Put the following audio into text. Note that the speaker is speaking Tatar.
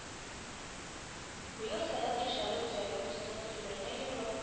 Быел “Сәләт” яшьләр үзәге үзенең егерме еллыгын